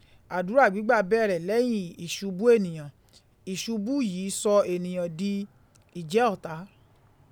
Àdúrà gbígbà bẹ̀rẹ̀ lẹ́hìn ìṣubú ènìyàn. Iṣubí yí sọ ènìyàn di ìjẹ ọ̀tá.